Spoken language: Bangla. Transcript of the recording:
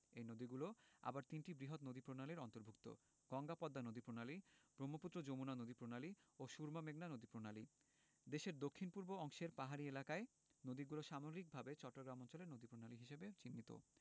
এই নদীগুলো আবার তিনটি বৃহৎ নদীপ্রণালীর অন্তর্ভুক্ত গঙ্গা পদ্মা নদীপ্রণালী ব্রহ্মপুত্র যমুনা নদীপ্রণালী ও সুরমা মেঘনা নদীপ্রণালী দেশের দক্ষিণ পূর্ব অংশের পাহাড়ী এলাকার নদীগুলো সামগ্রিকভাবে চট্টগ্রাম অঞ্চলের নদীপ্রণালী হিসেবে চিহ্নিত